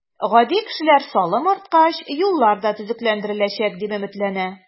Гади кешеләр салым арткач, юллар да төзекләндереләчәк, дип өметләнә.